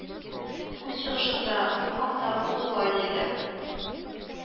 Үз чыгышында бу хакта ул болай диде